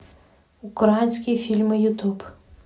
украинские фильмы ютуб